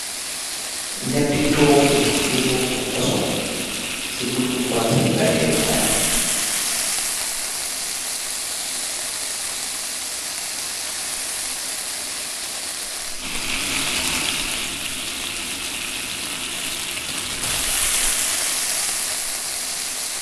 Nyati tuugu yu bokut fason si bontu jaye kay